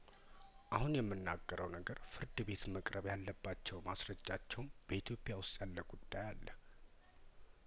አሁን የምናገረው ነገር ፍርድ ቤት መቅረብ ያለባቸው ማስረጃ ቸውም በኢትዮፕያውስጥ ያለጉዳይአለ